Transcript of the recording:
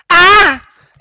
a